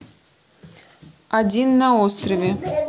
один на острове